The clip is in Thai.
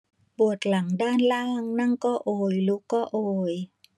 ปวดหลังด้านล่างนั่งก็โอยลุกก็โอย